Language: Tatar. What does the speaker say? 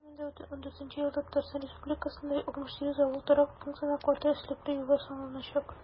2014 елда татарстан республикасында 68 авыл торак пунктына каты өслекле юллар салыначак.